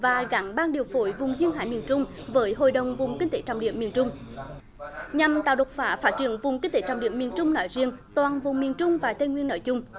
và gắn ban điều phối vùng duyên hải miền trung với hội đồng vùng kinh tế trọng điểm miền trung nhằm tạo đột phá phát triển vùng kinh tế trọng điểm miền trung nói riêng toàn vùng miền trung và tây nguyên nói chung